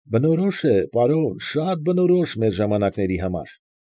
Բնորոշ է, պարոն, շատ բնորոշ մեր ժամանակների համար։